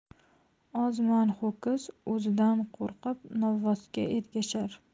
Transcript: ozman ho'kiz o'zidan qo'rqib novvosga ergashar